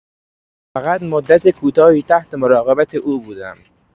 فقط مدت کوتاهی تحت مراقبت او بودم.